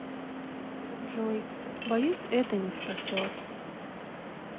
джой боюсь это не спасет